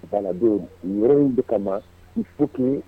Baladenw yɔrɔ in de kama u su tun